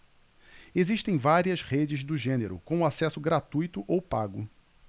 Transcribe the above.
existem várias redes do gênero com acesso gratuito ou pago